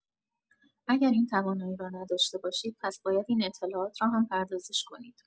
اگر این توانایی را نداشته باشید، پس باید این اطلاعات را هم پردازش کنید.